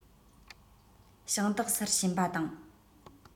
ཞིང བདག སར ཕྱིན པ དང